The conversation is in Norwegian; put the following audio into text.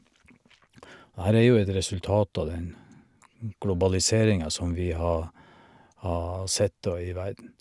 Det her er jo et resultat av den globaliseringen som vi har har sett, da, i verden.